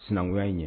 Sinankunkuya in ye